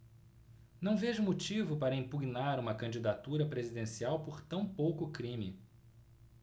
não vejo motivo para impugnar uma candidatura presidencial por tão pouco crime